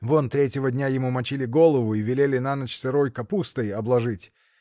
Вон третьего дня ему мочили голову и велели на ночь сырой капустой обложить.